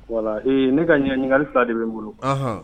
Voilà ee ne ka ɲɛ ɲiniŋali 2 de be n bolo anhan